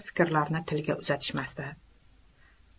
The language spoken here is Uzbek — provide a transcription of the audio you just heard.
fikrlarini tilga uzatmas edilar